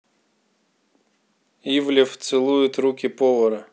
ивлев целует руки повара